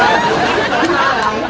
à thôi khỏi nói cũng biết bị ho rồi